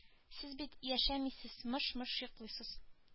Сез бит яшәмисез мыш-мыш йоклыйсыз